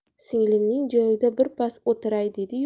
singlimning joyida birpas o'tiray dediyu